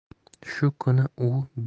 shu kuni u